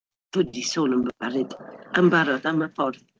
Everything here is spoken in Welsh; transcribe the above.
Dwi 'di sôn yn barod am y ffordd...